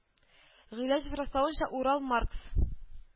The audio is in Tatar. Гыйлә җевраславынча, Урал , Маркс